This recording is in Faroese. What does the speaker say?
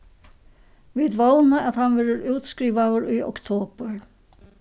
vit vóna at hann verður útskrivaður í oktobur